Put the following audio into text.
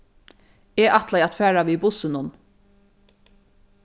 eg ætlaði at fara við bussinum